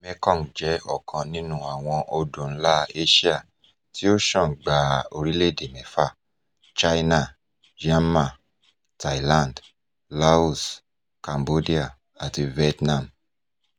Mekong jẹ́ ọ̀kan nínú àwọn odò ńlá Ásíà tí ó ṣàn gba orílẹ̀-èdè mẹ́fà: China, Myanmar, Thailand, Laos, Cambodia, àti Vietnam.